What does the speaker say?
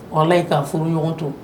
Wala ye ka furu ɲɔgɔn to